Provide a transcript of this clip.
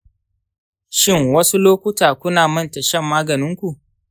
shin, wasu lokuta kuna manta shan maganin ku?